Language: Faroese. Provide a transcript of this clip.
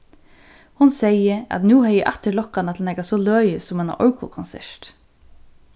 hon segði at nú hevði eg aftur lokkað hana til nakað so løgið sum eina orgulkonsert